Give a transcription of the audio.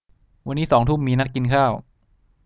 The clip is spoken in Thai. วันนี้สองทุ่มมีนัดกินข้าว